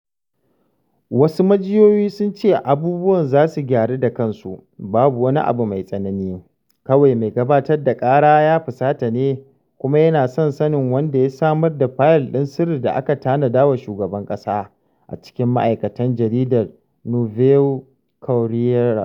Wasu majiyoyi sun ce abubuwa za su gyaru da kansu, "babu wani abu mai tsanani, kawai mai gabatar da ƙara ya fusata ne, kuma yana son sanin wanda ya samar da fayil ɗin sirri da aka tanada wa shugaban ƙasa, a cikin ma'aikatan jaridar Nouveau Courrier.